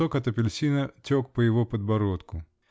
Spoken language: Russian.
Сок от апельсина тек по его подбородку.